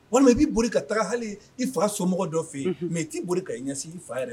Walima i b'i boli ka taga hali i fa somɔgɔ dɔ fɛ yen mɛ i t'i boli ka i ɲɛsin i fa yɛrɛ